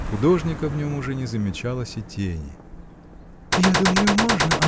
Художника в нем уже не замечалось и тени. -- Я думаю, можно.